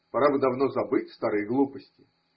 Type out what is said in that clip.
Пора бы давно забыть старые глупости!